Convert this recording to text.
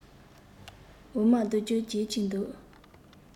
འོ མ ལྡུད རྒྱུ རྗེད ཀྱིན འདུག